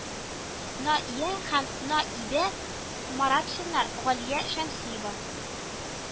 На ия һәм Нә ибә Моратшиналар, Галия Шәмсиева